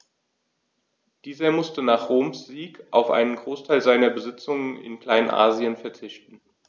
Dieser musste nach Roms Sieg auf einen Großteil seiner Besitzungen in Kleinasien verzichten.